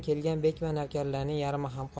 kelgan bek va navkarlarning yarmi ham qolmadi